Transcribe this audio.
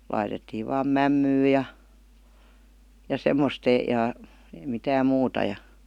laitettiin vain mämmiä ja ja semmoista ja ei mitään muuta ja